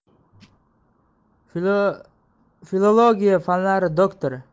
filologiya fanlari doktori